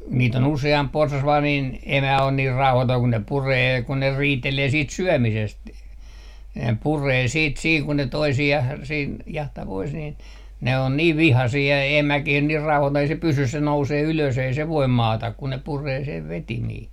niitä on useampi porsas vain niin emä on niin rauhaton kun ne puree kun ne riitelee siitä syömisestä ne puree sitten siinä kun ne toisiaan siinä jahtaa pois niin ne on niin vihaisia ja emäkin niin rauhaton ei se pysy se nousee ylös ei se voi maata kun ne puree sen vetimiä